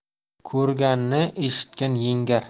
ko'rganni eshitgan yengar